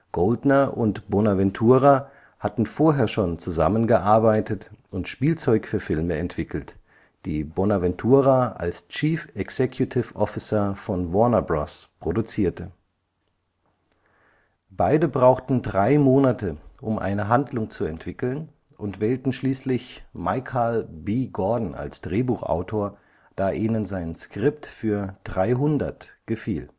Goldner und Bonaventura hatten vorher schon zusammengearbeitet und Spielzeug für Filme entwickelt, die Bonaventura als Chief Executive Officer von Warner Bros. produzierte. Beide brauchten drei Monate, um eine Handlung zu entwickeln, und wählten schließlich Michal B. Gordon als Drehbuchautor, da ihnen sein Skript für 300 gefiel